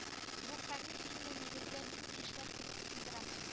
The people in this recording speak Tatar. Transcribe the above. Бу комиссияне нигездә нинди эшләр кызыксындыра соң